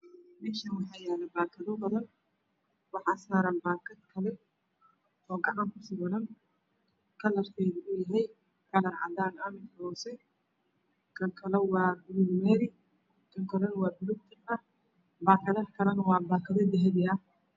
Meeshaan waxaa yaalo baakado badan waxaa saaran baakad kale oo gacan ku sawiran kalarkeedu uu yahay kalar cadaan ah kan kale waa bulug maari ,kan kalana buluug tiq ah. baakadaha kala waa dahabi.